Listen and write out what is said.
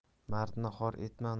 mardni xor etma